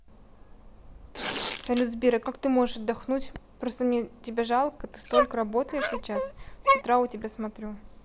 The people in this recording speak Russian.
салют сбер а как ты можешь отдохнуть просто мне тебя жалко ты столько работаешь сейчас с утра у тебя смотрю